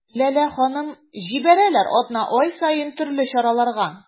Ләлә ханым: җибәрәләр атна-ай саен төрле чараларга.